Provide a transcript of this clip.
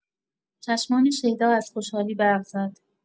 چشمان شیدا از خوشحالی برق زد.